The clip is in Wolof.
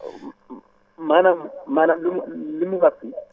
maanaam maanaam lu mu lu muy wax fii